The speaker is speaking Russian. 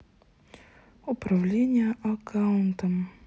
управление аккаунтом